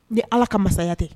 Ni ala ka masaya tɛ